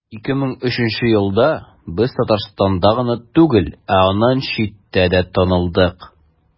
2003 елда без татарстанда гына түгел, ә аннан читтә дә танылдык.